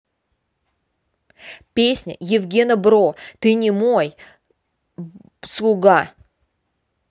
песня евгена бро ты не мог мой слуга